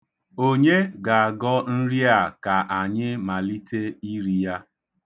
Onye ga-agọ nri a ka anyị mailte iri ya?